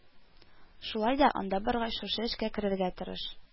Шулай да, анда баргач, шушы эшкә керергә тырыш